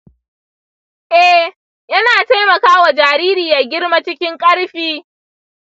eh, yana taimaka wa jariri ya girma cikin ƙarfi.